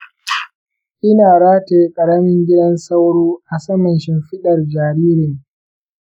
ina rataye ƙaramin gidan sauro a saman shimfiɗar jaririn.